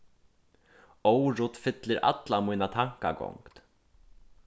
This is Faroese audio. órudd fyllir alla mína tankagongd